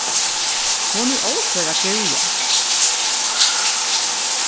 hon er ófør at kryvja